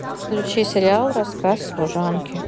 включи сериал рассказ служанки